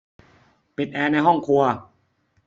ปิดแอร์ในห้องครัว